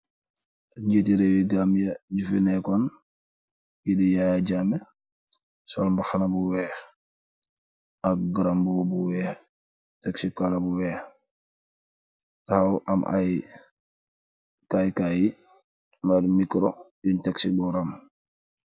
Njjiti rewi Gambia ju fii nehkon, ki di yaya jammeh sol mbahana bu wekh, ak grandmbubu bu wekh tek ci kahlar bu wekh, takhaw amm aiiy kai kai wala mikcro yungh tek ci bohram.